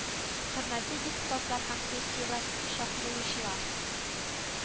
Хөрмәтле депутатлар һәм сессиягә чакырылучылар